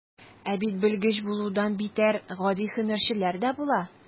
Ә бит белгеч булудан битәр, гади һөнәрчеләр дә була.